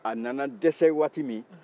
a nana dɛsɛ waati min